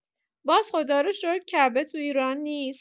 باز خدا رو شکر کعبه تو ایران نیست.